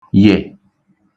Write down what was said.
yị̀